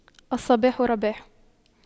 الصباح رباح